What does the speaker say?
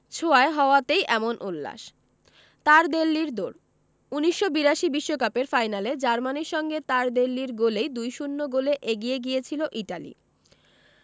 ছোঁয়ায় হওয়াতেই এমন উল্লাস তারদেল্লির দৌড় ১৯৮২ বিশ্বকাপের ফাইনালে জার্মানির সঙ্গে তারদেল্লির গোলেই ২ ০ গোলে এগিয়ে গিয়েছিল ইতালি